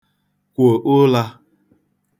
kwò ụlā